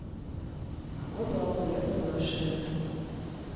какой была планета до нашей эры